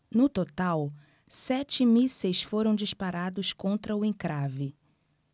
no total sete mísseis foram disparados contra o encrave